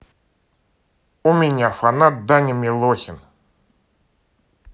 у меня фанат даня милохин